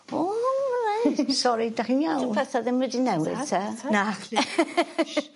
O reit. Sori 'dach chi'n iawn? Dyw petha ddim wedi newid 'te. Nachdi.